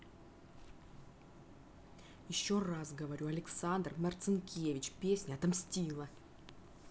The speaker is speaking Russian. еще раз говорю александр марцинкевич песня отомстила